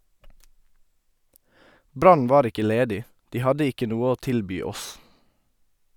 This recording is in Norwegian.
Brann var ikke ledig, de hadde ikke noe å tilby oss.